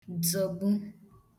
tzọ̀gbu